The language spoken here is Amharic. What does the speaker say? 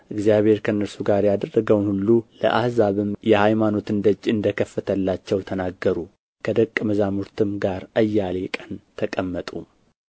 እግዚአብሔር ከእነርሱ ጋር ያደረገውን ሁሉ ለአሕዛብም የሃይማኖትን ደጅ እንደ ከፈተላቸው ተናገሩ ከደቀ መዛሙርትም ጋር አያሌ ቀን ተቀመጡ